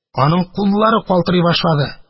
Аның куллары калтырый башлады.